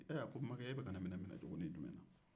a ko n' makɛ e bɛ ka ne minɛ minɛcogonin jumɛn na